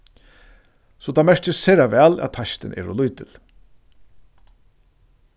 so tað merkist sera væl at teistin er ov lítil